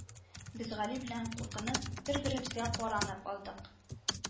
Без Гали белән куркынып бер-беребезгә каранып алдык